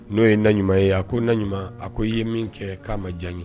N'o ye na ɲuman ye a ko na ɲuman a ko i ye min kɛ kaanajan ye